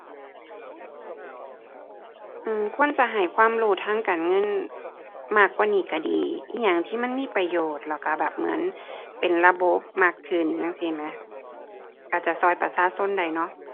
อือ ควรจะให้ความรู้ทางการเงินมากกว่านี้ก็ดี อิหยังที่มันมีประโยชน์ แล้วก็แบบเหมือนเป็นระบบมากขึ้น จั่งซี้แหมะ ก็จะก็ประชาชนได้เนาะ